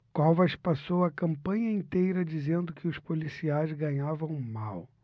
covas passou a campanha inteira dizendo que os policiais ganhavam mal